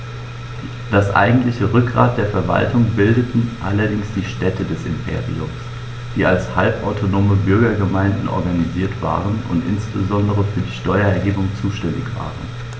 Das eigentliche Rückgrat der Verwaltung bildeten allerdings die Städte des Imperiums, die als halbautonome Bürgergemeinden organisiert waren und insbesondere für die Steuererhebung zuständig waren.